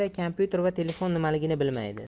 esa kompyuter va telefon nimaligini bilmaydi